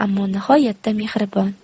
ammo nihoyatda mehribon